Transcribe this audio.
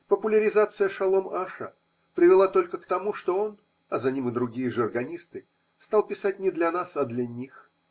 Популяризация Шолом Аша привела только к тому, что он (а за ним и другие жаргонисты) стал писать не для нас, а для них.